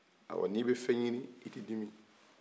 awɔ n'i bɛ fɛn ɲini i te dimi